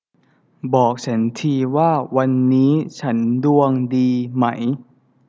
บอกฉันทีว่าวันนี้ฉันดวงดีมั้ย